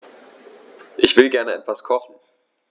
Ich will gerne etwas kochen.